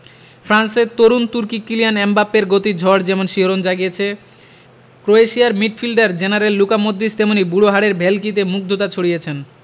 ফ্রান্সের তরুণ তুর্কি কিলিয়ান এমবাপ্পের গতির ঝড় যেমন শিহরণ জাগিয়েছে ক্রোয়েশিয়ার মিডফিল্ড জেনারেল লুকা মডরিচ তেমনি বুড়ো হাড়ের ভেলকিতে মুগ্ধতা ছড়িয়েছেন